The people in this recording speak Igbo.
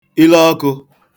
ileọkụ̄